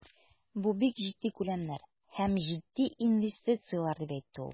Бу бик җитди күләмнәр һәм җитди инвестицияләр, дип әйтте ул.